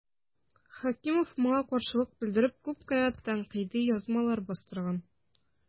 Хәкимов моңа каршылык белдереп күп кенә тәнкыйди язмалар бастырган.